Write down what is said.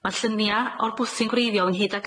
Ma' llunia' o'r bwthyn gwreiddiol yn hyd a'r